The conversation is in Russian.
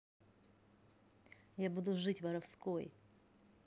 я буду жить воровской